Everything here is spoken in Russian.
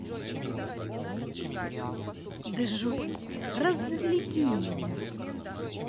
джой развлеки меня